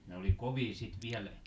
ne oli kovia sitten vielä